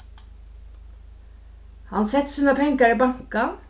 hann setti sínar pengar í bankan